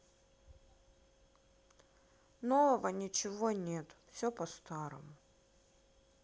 нового ничего нет все по старому